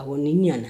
A ni ɲana